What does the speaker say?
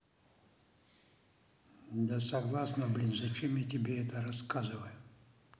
да согласна блин зачем я тебе это рассказываю